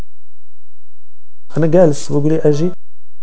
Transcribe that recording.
انا جالس